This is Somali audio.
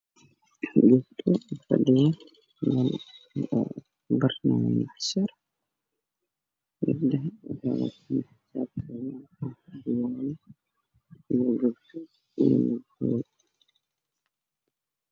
Meeshan waxaa fadhiya afar gabdhood xijaabbaha iyo wataan xijaabada midabkooda waa guduud buluug madow meesha ka dambeysana waa guduud